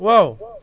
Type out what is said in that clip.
waaw